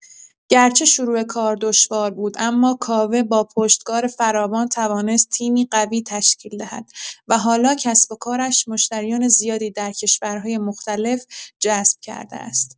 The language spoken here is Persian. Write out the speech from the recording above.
گرچه شروع کار دشوار بود، اما کاوه با پشتکار فراوان توانست تیمی قوی تشکیل دهد و حالا کسب‌وکارش مشتریان زیادی در کشورهای مختلف جذب کرده است.